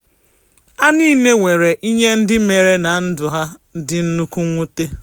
Ha niile nwere ihe ndị mere na ndụ ha dị nnukwu mwute.